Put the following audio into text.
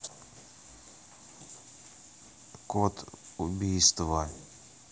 код убийства